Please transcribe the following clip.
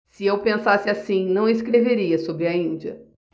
se eu pensasse assim não escreveria sobre a índia